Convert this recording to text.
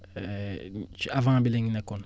ci avant bi lañ nekkoon